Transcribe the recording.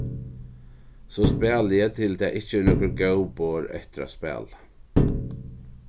so spæli eg til tað ikki eru nøkur góð borð eftir at spæla